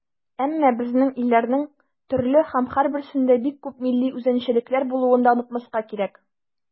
Әмма безнең илләрнең төрле һәм һәрберсендә бик күп милли үзенчәлекләр булуын да онытмаска кирәк.